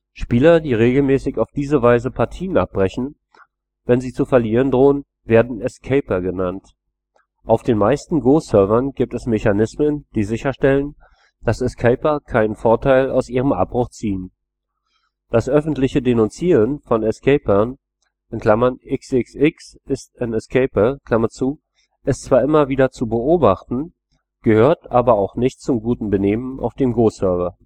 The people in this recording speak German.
Spieler, die regelmäßig auf diese Weise Partien abbrechen, wenn sie zu verlieren drohen, werden Escaper genannt. Auf den meisten Go-Servern gibt es Mechanismen, die sicherstellen, dass Escaper keinen Vorteil aus ihrem Abbruch ziehen. Das öffentliche Denunzieren von Escapern („ xxx is an escaper! “) ist zwar immer wieder zu beobachten, gehört aber auch nicht zum guten Benehmen auf dem Go-Server